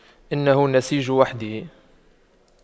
إنه نسيج وحده